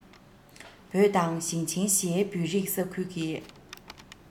བོད དང ཞིང ཆེན བཞིའི བོད རིགས ས ཁུལ གྱི